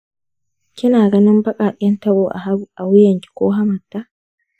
kina ganin baƙaƙen tabo a wuyanki ko hammata?